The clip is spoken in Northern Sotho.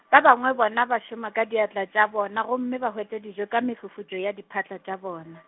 ba bangwe bona ba šoma ka diatla tša bona gomme ba hwetša dijo ka mefufutšo ya diphatla tša bona.